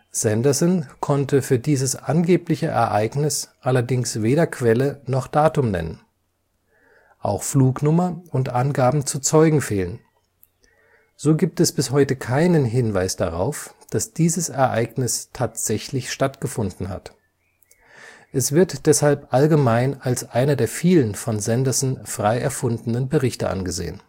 Sanderson konnte für dieses angebliche Ereignis allerdings weder Quelle noch Datum nennen. Auch Flugnummer und Angaben zu Zeugen fehlten. So gibt es bis heute keinen Hinweis darauf, dass dieses Ereignis tatsächlich stattgefunden hat. Es wird deshalb allgemein als einer der vielen von Sanderson frei erfundenen Berichte angesehen